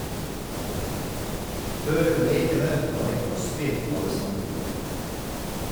Før lekene var det Crosby alle snakket om.